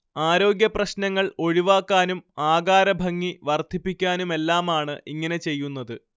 ആരോഗ്യപ്രശ്നങ്ങൾ ഒഴിവാക്കാനും ആകാരഭംഗി വർദ്ധിപ്പിക്കാനുമെല്ലാമാണ് ഇങ്ങനെ ചെയ്യുന്നത്